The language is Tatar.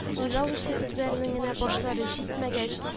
Уйлау өчен үзләренең генә башлары җитмәгәч